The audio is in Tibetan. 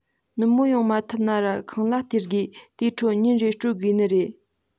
ནུབ མོ ཡོང མ ཐུབ ན ར ཁང གླ སྟེར དགོ དེ འཕྲོ ཉིན རེར སྤོད དགོ ནི རེད